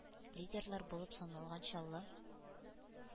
Лидерлар булып саналган чаллы